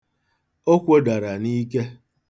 O kwodara n'ike.